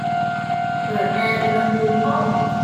เปิดแอร์อุณหภูมิห้อง